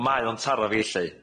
On' mae o'n taro fi 'elly.